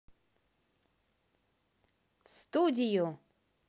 в студию